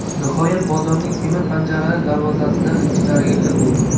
nihoyat bozorning temir panjarali darvozasidan ichkari kirdik